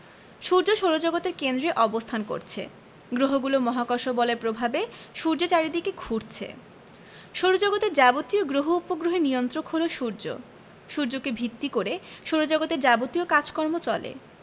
সূর্য সৌরজগতের কেন্দ্রে অবস্থান করছে গ্রহগুলো মহাকর্ষ বলের প্রভাবে সূর্যের চারদিকে ঘুরছে সৌরজগতের যাবতীয় গ্রহ উপগ্রহের নিয়ন্ত্রক হলো সূর্য সূর্যকে ভিত্তি করে সৌরজগতের যাবতীয় কাজকর্ম চলে